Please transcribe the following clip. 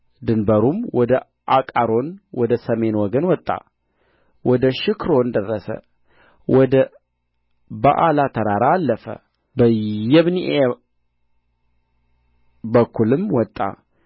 ድንበሩም ወደ አቃሮን ወደ ሰሜን ወገን ወጣ ወደ ሽክሮን ደረሰ ወደ በኣላ ተራራ አለፈ በየብኒኤል በኩልም ወጣ